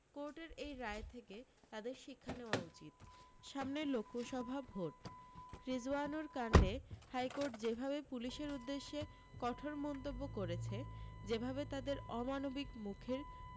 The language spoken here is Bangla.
কোর্টের এই রায় থেকে তাদের শিক্ষা নেওয়া উচিত সামনে লোকসভা ভোট রিজওয়ানুর কাণ্ডে হাইকোর্ট যেভাবে পুলিশের উদ্দেশ্যে কঠোর মন্তব্য করেছে যেভাবে তাদের অমানবিক মুখের